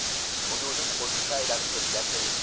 vujudim qo'shiqqa aylanib ketganday edi